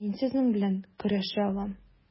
Мин сезнең белән көрәшә алам.